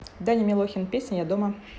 даня милохин песня я дома